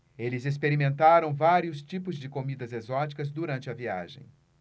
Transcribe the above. eles experimentaram vários tipos de comidas exóticas durante a viagem